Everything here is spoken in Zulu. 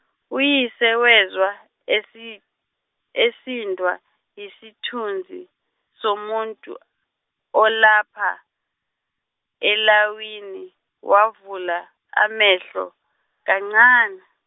uyise wezwa, esi- esindwa yisithunzi, somuntu, olapha, elawini, wavula, amehlo, kancane.